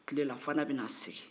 kilelafana bɛna sigi